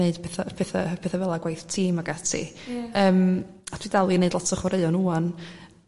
gneud petha... petha... petha... fela gwaith tî'm ag ati yym a dwi dal i neud lot o chwaraeon wan